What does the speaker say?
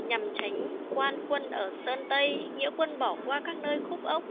nhằm tránh quan quân ở sơn tây nghĩa quân bỏ qua các nơi khúc ốc